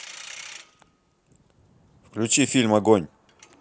включи фильм огонь